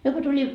me kun tuli